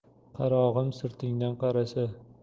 qarog'im sirtingdan qarasa